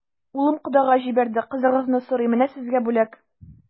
Улым кодага җибәрде, кызыгызны сорый, менә сезгә бүләк.